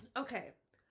OK